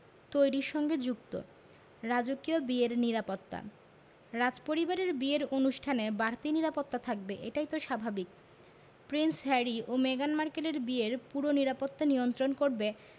তৈরির সঙ্গে যুক্ত রাজকীয় বিয়ের নিরাপত্তা রাজপরিবারের বিয়ের অনুষ্ঠানে বাড়তি নিরাপত্তা থাকবে এটাই তো স্বাভাবিক প্রিন্স হ্যারি ও মেগান মার্কেলের বিয়ের পুরো নিরাপত্তা নিয়ন্ত্রণ করবে